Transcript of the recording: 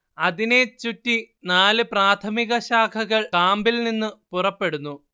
അതിനെ ചുറ്റി നാല് പ്രാഥമിക ശാഖകൾ കാമ്പിൽ നിന്ന് പുറപ്പെടുന്നു